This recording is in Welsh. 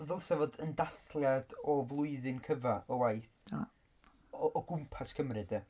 Ddylsa fod yn dathliad o flwyddyn cyfa o waith... dylai. ...o o gwmpas Cymru de.